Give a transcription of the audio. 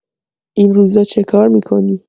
این روزا چه‌کار می‌کنی؟